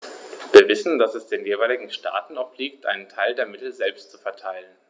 Wir wissen, dass es den jeweiligen Staaten obliegt, einen Teil der Mittel selbst zu verteilen.